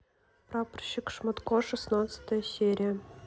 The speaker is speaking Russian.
прапорщик шматко шестнадцатая серия